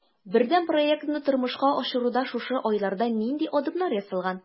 Бердәм проектны тормышка ашыруда шушы айларда нинди адымнар ясалган?